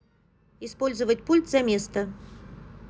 использовать пульт заместо